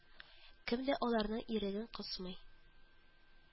Кем дә аларның иреген кысмый